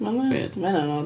Ma' hynna yn weird hynna'n od.